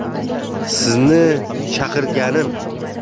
sizni chaqirganim